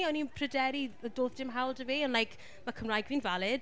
O'n i'n pryderu, doedd dim hawl 'da fi, ond like, mae Cymraeg fi'n valid...